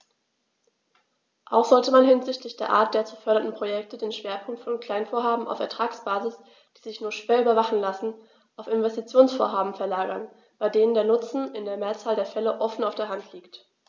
Auch sollte man hinsichtlich der Art der zu fördernden Projekte den Schwerpunkt von Kleinvorhaben auf Ertragsbasis, die sich nur schwer überwachen lassen, auf Investitionsvorhaben verlagern, bei denen der Nutzen in der Mehrzahl der Fälle offen auf der Hand liegt.